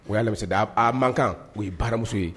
O y'a lammisa' a mankan o ye baramuso ye